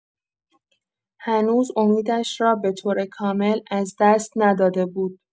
هنوز امیدش را به‌طور کامل از دست نداده بود.